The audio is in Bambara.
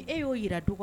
E y'o jira du kɔ